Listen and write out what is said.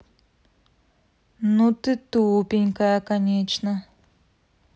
ну ты тупенькая конечно